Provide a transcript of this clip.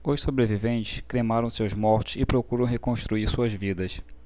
os sobreviventes cremaram seus mortos e procuram reconstruir suas vidas